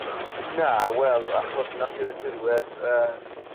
Na wel achos natur y tirwedd yy